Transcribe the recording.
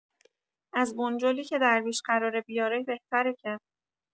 از بنجلی که درویش قراره بیاره بهتره که